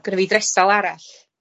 Gyda fi ddresal arall